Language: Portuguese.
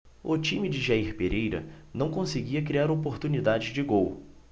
o time de jair pereira não conseguia criar oportunidades de gol